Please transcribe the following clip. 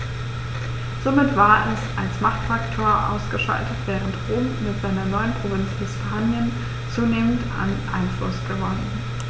Damit war es als Machtfaktor ausgeschaltet, während Rom mit seiner neuen Provinz Hispanien zunehmend an Einfluss gewann.